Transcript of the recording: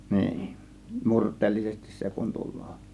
niin murteellisesti se kun tulee